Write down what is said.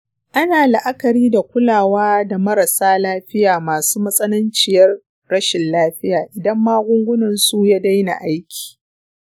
ana la'akari da kulawa da marasa lafiya masu matsananciyar rashin lafiya idan magungunan su ya daina aiki.